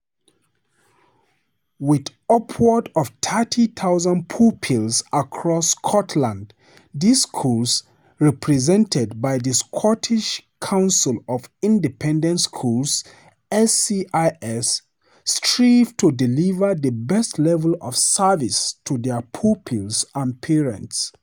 With upwards of 30,000 pupils across Scotland, these schools, represented by The Scottish Council of Independent Schools (SCIS), strive to deliver the best level of service to their pupils and parents.